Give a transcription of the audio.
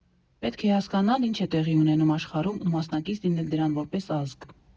Պետք է հասկանալ՝ ինչ է տեղի ունենում աշխարհում ու մասնակից լինել դրան որպես ազգ։